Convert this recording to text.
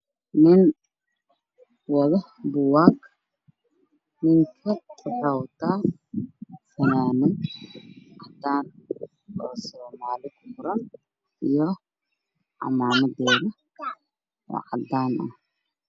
Nin wado buugaag ninku wuxuu wataa funaanad cadaan oo soomali ku qoran iyo cimaamadeedi oo cadaan ah